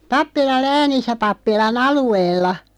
Pappilan Läänissä pappilan alueella